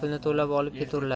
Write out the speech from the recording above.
pulini to'lab olib keturlar